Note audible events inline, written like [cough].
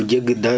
[hesitation] [hesitation]